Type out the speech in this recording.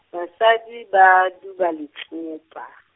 Basadi ba, duba letsopa.